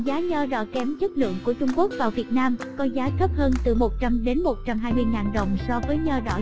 còn giá nho kém chất lượng của trung quốc vào việt nam có giá thấp hơn từ đến đ kg so với nho nhập khẩu